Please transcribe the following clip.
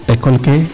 école ke?